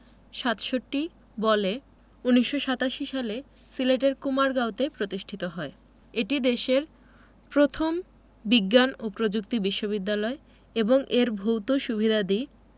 ৬৭ বলে ১৯৮৭ সালে সিলেটের কুমারগাঁওতে প্রতিষ্ঠিত হয় এটি দেশের প্রথম বিজ্ঞান ও প্রযুক্তি বিশ্ববিদ্যালয় এবং এর ভৌত সুবিধাদি